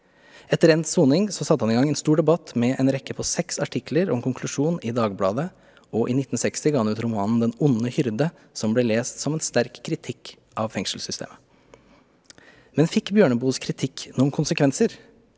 etter endt soning så satte han i gang en stor debatt med en rekke på seks artikler og en konklusjon i Dagbladet, og i 1960 ga ut romanen Den onde hyrde som ble lest som en sterk kritikk av fengselssystemet, men fikk Bjørneboes kritikk noen konsekvenser?